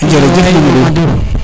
jerejef Mamadou